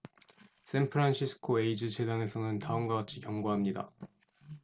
샌프란시스코 에이즈 재단에서는 다음과 같이 경고합니다